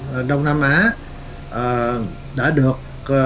đông nam á đã được